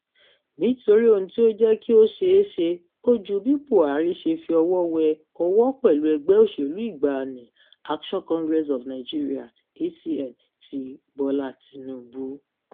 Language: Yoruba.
Nítorí ohun tí ó jẹ́ kí ó ṣeé ṣe ò ju bí Buhari ṣe fi ọwọ́ wẹ ọwọ́ pẹ̀lú ẹgbẹ́ òṣèlú ìgbàanì Action Congress of Nigeria (ACN) ti Bọ́lá Tinubu.